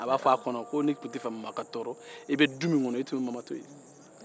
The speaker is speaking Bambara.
a b'a fɔ a kɔnɔ ko n'i tun t'a fɛ mama ka tɔɔrɔ i bɛ du min kɔnɔ i tun bɛ mama to yen